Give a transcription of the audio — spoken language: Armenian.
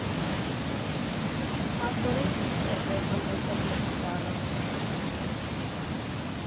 Փաստորեն ճիշտ էր, որ տնտեսագետ չդառա։